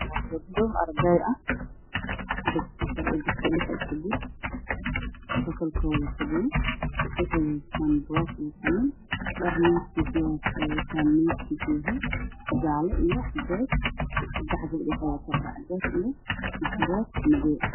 Waa gabdho wataan xijaabo jaalo caddays imtixaan ayay ku jiraan waxaa hor yaalla warqado miisaas ayey ku fadhiyaan